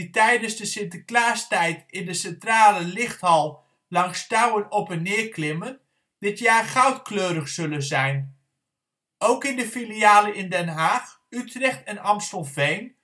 tijdens de sinterklaastijd in de centrale lichthal langs touwen op en neer klimmen, dit jaar goudkleurig zullen zijn. Ook in de filialen in Den Haag, Utrecht en Amstelveen